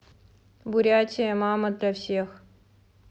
бурятия мама для всех